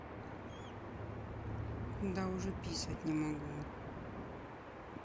когда уже писать не могу